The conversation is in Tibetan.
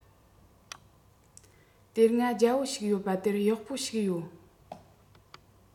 དེ སྔ རྒྱལ པོ ཞིག ཡོད པ དེར གཡོག པོ ཞིག ཡོད